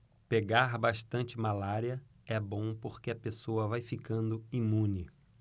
pegar bastante malária é bom porque a pessoa vai ficando imune